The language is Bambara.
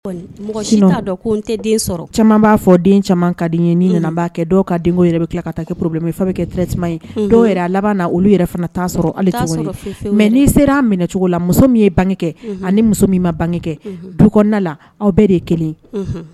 B'a fɔ kɛoro sera minɛ cogo la muso ye bangekɛ ma bangekɛ duk aw bɛɛ de kelen